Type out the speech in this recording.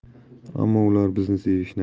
ammo ular bizni sevishini